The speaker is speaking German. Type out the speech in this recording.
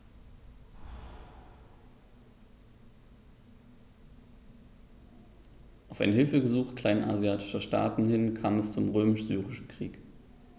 Auf ein Hilfegesuch kleinasiatischer Staaten hin kam es zum Römisch-Syrischen Krieg.